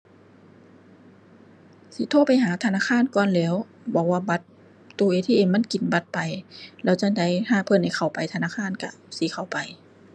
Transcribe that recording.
สิโทรไปหาธนาคารก่อนแหล้ว บอกว่าบัตร ตู้ ATM มันกินบัตรไป แล้วจั่งใดห่าเพิ่นให้เข้าไปธนาคารก็สิเข้าไป